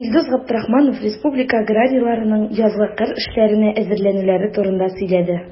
Илдус Габдрахманов республика аграрийларының язгы кыр эшләренә әзерләнүләре турында сөйләде.